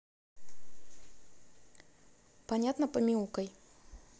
понятно помяукай